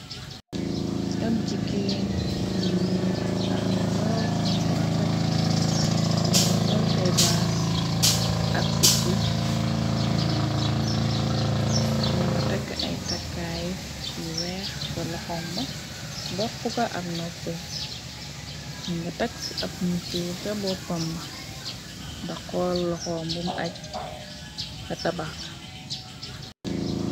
Ab jigeen bu nun taaru loo soldu rafet moo nga soltey baas ak sipp bu ñuul moo nga takk ay takkaay bu weex ca loxomba dokqu ka ak nopwe nga takk ab musuur ca boppamba da xool loxombm aj tabak.